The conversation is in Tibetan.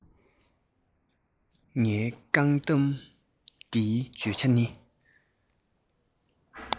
ངའི སྒྲུང གཏམ འདིའི བརྗོད བྱ ནི